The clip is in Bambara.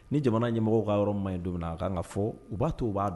Ni jamana ɲɛmɔgɔw ka yɔrɔ man ɲi don min na a kan ka fɔ u b'a to